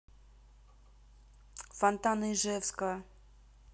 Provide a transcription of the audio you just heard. фонтаны ижевска